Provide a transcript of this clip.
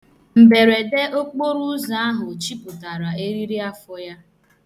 Mberede okporoụzọ ahụ chịpụtara eririafọ ya.